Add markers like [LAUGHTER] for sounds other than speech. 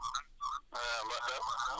[NOISE] [HESITATION]